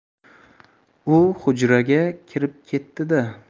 u hujraga kirib ketdi da